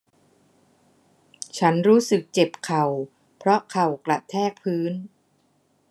ฉันรู้สึกเจ็บเข่าเพราะเข่ากระแทกพื้น